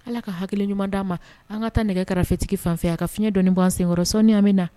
Ala ka hakiliki ɲuman d dia ma an ka taa nɛgɛ karafetigi fanfɛ aa ka fiɲɛ dɔnɔninwan senkɔrɔ sɔmina na